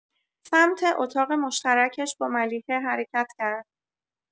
سمت اتاق مشترکش با ملیحه حرکت کرد.